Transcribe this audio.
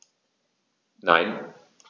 Nein.